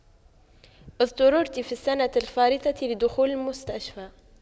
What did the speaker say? اضطررت في السنة الفارطة لدخول المستشفى